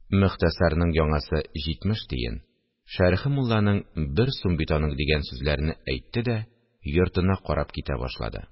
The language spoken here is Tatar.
– «мохтәсар»ның яңасы җитмеш тиен, «шәрехе мулла»ның бер сум бит аның, – дигән сүзләрне әйтте дә йортына карап китә башлады